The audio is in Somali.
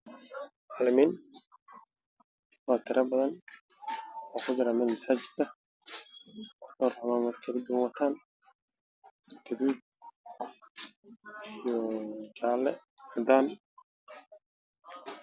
Wa masaajid waxaa joogo niman iyo ilmo